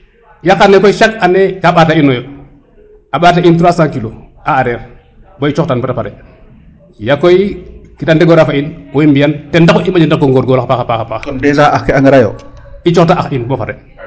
yaqane koy chaque année de ɓata ino yo a ɓata in trois cent kilos a areer bo i coxtan bata pare yaag koy kede ndegora fa in bo i mbiyan ten taxu i mbao ndako ngor ngorlox a paxa paax konn dejas ax ke a ngara yo i coxta as in bo pare